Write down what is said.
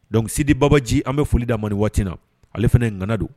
Dɔnsidi babaji an bɛ f foli da man waati na ale fana ggana don